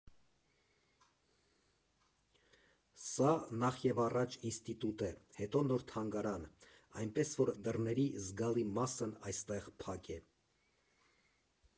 Սա նախևառաջ ինստիտուտ է, հետո նոր թանգարան, այնպես որ դռների զգալի մասն այստեղ փակ է։